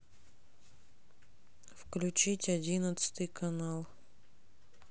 включить одиннадцатый канал